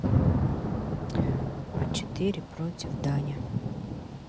а четыре против даня